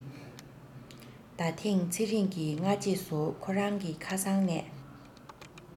ད ཐེངས ཚེ རིང གིས སྔ རྗེས སུ ཁོ རང གི ཁ སང ནས